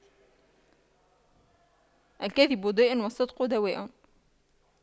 الكذب داء والصدق دواء